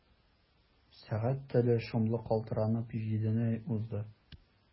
Сәгать теле шомлы калтыранып җидене узды.